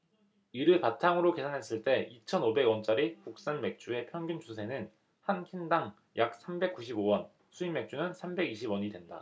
이를 바탕으로 계산했을 때 이천 오백 원짜리 국산맥주의 평균 주세는 한 캔 당 약 삼백 구십 오 원 수입맥주는 삼백 이십 원이된다